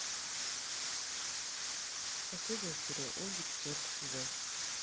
последняя серия ольги четвертый сезон